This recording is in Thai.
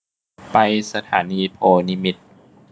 ไปสถานีโพธิ์นิมิตร